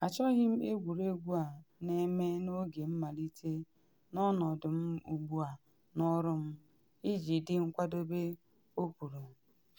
“Achọghị m egwuregwu a na-eme n’oge mmalite n’ọnọdụ m ugbu a n’ọrụ m, iji dị nkwadebe,” o kwuru.